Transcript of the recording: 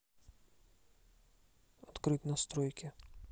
открыть настройки